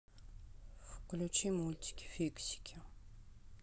включи мультики фиксики